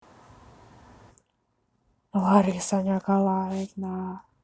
лариса николаевна